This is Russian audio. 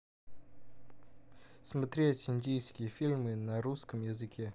смотреть индийские фильмы на русском языке